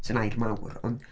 Sy'n air mawr, ond.